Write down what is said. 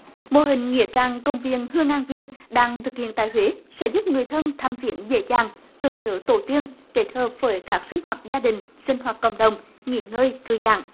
mô hình nghĩa trang công viên hương ngang viên đang thực hiện tại huế sẽ giúp người thân thăm viếng dễ dàng tưởng nhớ tổ tiên kết hợp với các sinh hoạt gia đình sinh hoạt cộng đồng nghỉ ngơi thư giãn